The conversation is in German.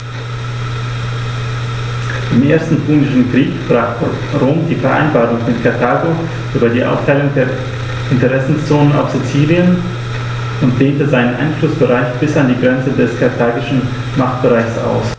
Im Ersten Punischen Krieg brach Rom die Vereinbarung mit Karthago über die Aufteilung der Interessenzonen auf Sizilien und dehnte seinen Einflussbereich bis an die Grenze des karthagischen Machtbereichs aus.